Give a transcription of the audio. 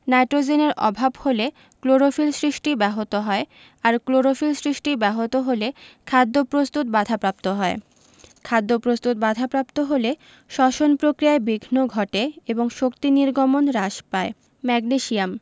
নাইট্রোজেনের অভাব হলে ক্লোরোফিল সৃষ্টি ব্যাহত হয় আর ক্লোরোফিল সৃষ্টি ব্যাহত হলে খাদ্য প্রস্তুত বাধাপ্রাপ্ত হয় খাদ্যপ্রস্তুত বাধাপ্রাপ্ত হলে শ্বসন প্রক্রিয়ায় বিঘ্ন ঘটে এবং শক্তি নির্গমন হ্রাস পায় ম্যাগনেসিয়াম